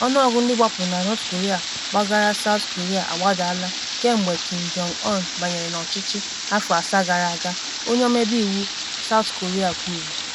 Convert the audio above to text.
Ọnụọgụ ndị gbapụrụ na North Korea gbagara South Korea agbadaala kemgbe Kim Jong-un banyere n’ọchịchị afọ asaa gara aga, onye ọmebe iwu South Korea kwuru.